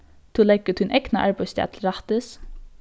tú leggur tín egna arbeiðsdag til rættis